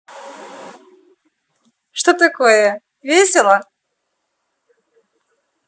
что такое весело